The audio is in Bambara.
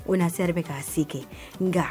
O na se bɛ' se kɛ nka